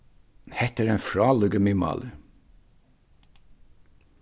hetta er ein frálíkur miðmáli